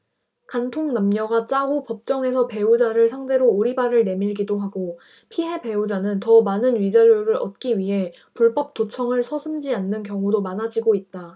간통 남녀가 짜고 법정에서 배우자를 상대로 오리발을 내밀기도 하고 피해 배우자는 더 많은 위자료를 얻기 위해 불법 도청을 서슴지 않는 경우도 많아지고 있다